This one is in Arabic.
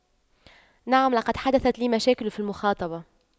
نعم لقد حدثت لي مشاكل في المخاطبة